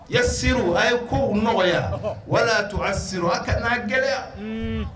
Yan siri a ye ko u nɔgɔyaya wala tun siri a ka n'a gɛlɛya